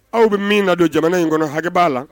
Aw bɛ min na don jamana in kɔnɔ hakɛ b'a la